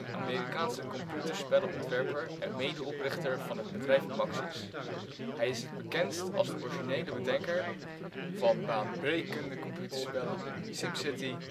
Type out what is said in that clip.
Amerikaanse computerspellenontwerper en medeoprichter van het bedrijf Maxis. Hij is het bekendst als de originele bedenker van de baanbrekende computerspellen SimCity